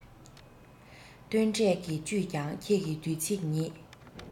སྟོན འབྲས ཀྱི བཅུད ཀྱང ཁྱེད ཀྱི དུས ཚིགས ཉིད